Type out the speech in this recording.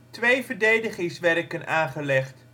twee verdedigingswerken aangelegd